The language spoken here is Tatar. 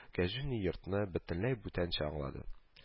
Кәҗүнни йортны бөтенләй бүтәнчө аңлады